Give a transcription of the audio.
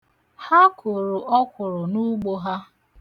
Ha kụrụ ọkwụrụ n'ugbo ha.